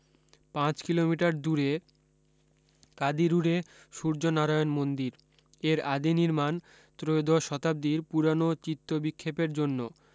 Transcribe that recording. পাঁচ কিলোমিটার দূরে কাদিরুরে সূর্যনারায়ণ মন্দির এর আদি নির্মাণ ত্রয়োদশ শতাব্দীর পুরানো চিত্তবিক্ষেপের জন্য